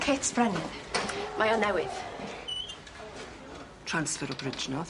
Kit brenin. Mae o newydd. Transfer o Bridgenorth.